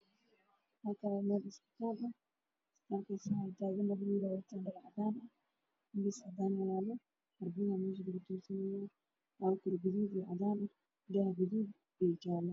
Halkaan waxaa ka muuqdo labo wiil oo qabo dhar cad mid kamid ah waxa uu ka hoos qabaa shaati buluug ah mid kamid ah miis maro cad saaran tahay ayuu wax ku qoraayaa background waa guduud